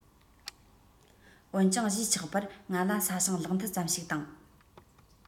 འོན ཀྱང གཞིས ཆགས པར ང ལ ས ཞིང ལག འཐིལ ཙམ ཞིག དང